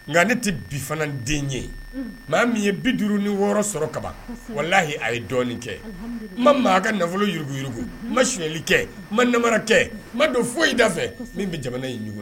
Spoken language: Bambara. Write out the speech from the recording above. Nka ne tɛ bi fana den ye maa min ye bi duuru ni wɔɔrɔ sɔrɔ kaba wala lahi a ye dɔɔnin kɛ ma maa ka nafolo yiriuruguyuruguku masli kɛ ma nama kɛ ma don foyi da fɛ min bɛ jamana inugu